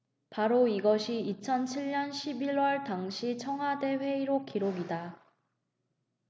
바로 이것이 이천 칠 년 십 일 월 당시 청와대 회의록 기록이다